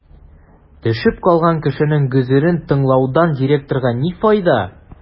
Төшеп калган кешенең гозерен тыңлаудан директорга ни файда?